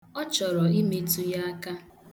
Ọ chọrọ imetu ya aka.